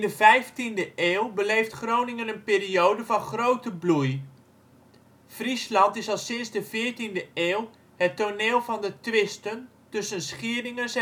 vijftiende eeuw beleeft Groningen een periode van grote bloei. Friesland is al sinds de veertiende eeuw het toneel van de twisten tussen Schieringers